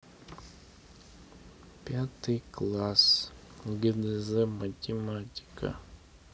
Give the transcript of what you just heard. пятый класс гдз математика